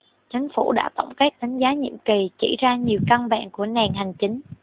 chính phủ đã tổng kết đánh giá nhiệm kỳ chỉ ra nhiều căn bệnh của nền hành chính